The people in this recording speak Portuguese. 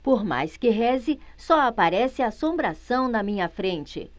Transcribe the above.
por mais que reze só aparece assombração na minha frente